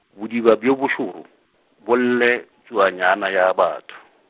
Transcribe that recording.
bodiba bjo bošoro , bo lle, tšhuanyana ya batho.